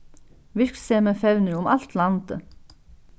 virksemið fevnir um alt landið